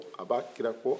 a b'a kira kɔ